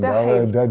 det er heilt.